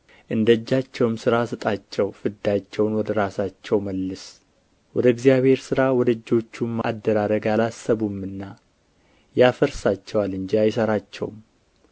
እንደ እጃቸውም ሥራ ስጣቸው ፍዳቸውን ወደ ራሳቸው መልስ ወደ እግዚአብሔር ሥራ ወደ እጆቹም አደራረግ አላሰቡምና ያፈርሳቸዋል እንጂ አይሠራቸውም